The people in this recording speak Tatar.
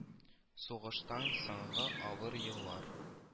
Сугыштан соңгы авыр еллар